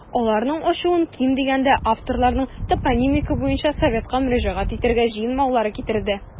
Аларның ачуын, ким дигәндә, авторларның топонимика буенча советка мөрәҗәгать итәргә җыенмаулары китерде.